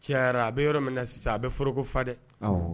Ci caayara, a bɛ yɔrɔ min na sisan ,a bɛ foroko fa dɛ!